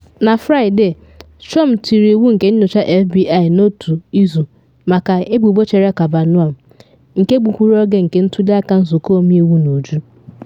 Na Fraịde, Trump tiri iwu nke nyocha FBI n’otu-izu maka ebubo chere Kavanaugh, nke gbukwuru oge nke ntuli aka Nzụkọ Ọmeiwu n’uju.